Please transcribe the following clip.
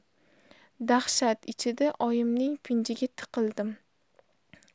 dahshat ichida oyimning pinjiga tiqildim